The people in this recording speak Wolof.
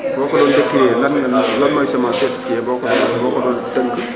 boo ko doon décrire lan nga lan mooy semence certifiée boo ko doon tënk